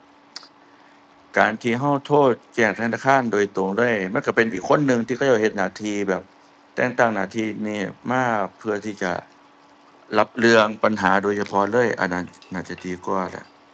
การที่เราโทรแจ้งธนาคารโดยตรงเลย มันเราเป็นอีกคนหนึ่งที่เขาเจ้าเฮ็ดหน้าที่แบบ แต่งตั้งหน้าที่นี้มาเพื่อที่จะรับเรื่องปัญหาโดยเฉพาะเลย อันนั้นน่าจะดีกว่าแหละ